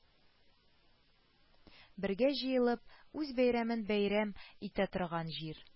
Бергә җыелып, үз бәйрәмен бәйрәм итә торган җир